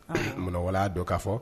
Munnawaya don ka fɔ